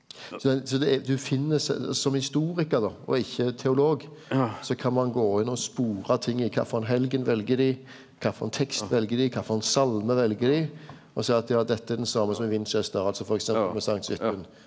så den så det er du finn som historikar då og ikkje teolog så kan ein gå inn å spora ting i kva for ein helgen vel dei kva for ein tekst vel dei kva for ein salme vel dei og seie at ja dette er den same som i Winchester altså f.eks. med Sankt Swithun.